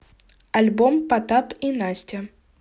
альбом потап и настя